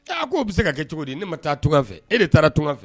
Ko' bɛ se ka kɛ cogo di ne ma taa tungan fɛ e de taara tun fɛ